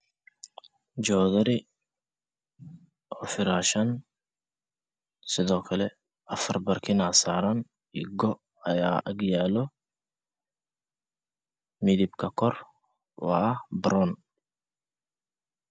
Meeshan waxaa taallo sariirkeedii tahay gaabi yo waxaana dul saaran biljim